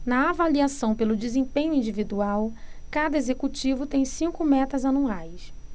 na avaliação pelo desempenho individual cada executivo tem cinco metas anuais